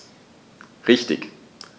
Richtig